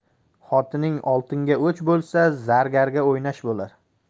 xotining oltinga o'ch bo'lsa zargarga o'ynash bo'lar